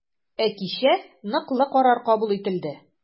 Ә кичә ныклы карар кабул ителде.